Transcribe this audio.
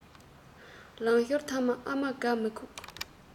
ལང ཤོར ཐ མ ཨ མ དགའ མི ཁུག